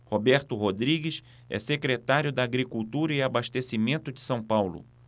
roberto rodrigues é secretário da agricultura e abastecimento de são paulo